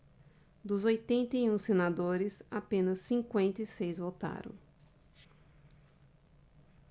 dos oitenta e um senadores apenas cinquenta e seis votaram